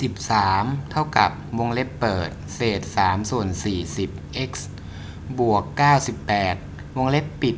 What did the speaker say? สิบสามเท่ากับวงเล็บเปิดเศษสามส่วนสี่สิบเอ็กซ์บวกเก้าสิบแปดวงเล็บปิด